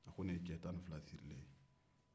o ye cɛ tan ni fila sirilen ye